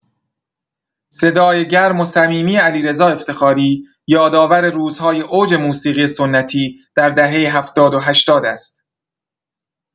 صدای گرم و صمیمی علیرضا افتخاری یادآور روزهای اوج موسیقی سنتی در دهه‌های هفتاد و هشتاد است.